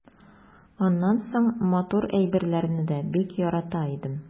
Аннан соң матур әйберләрне дә бик ярата идем.